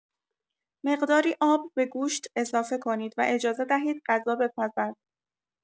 مقداری آب به گوشت اضافه کنید و اجازه دهید غذا بپزد.